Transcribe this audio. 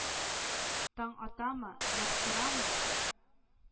Таң атамы? Яктырамы?